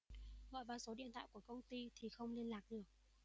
gọi vào số điện thoại của công ty thì không liên lạc được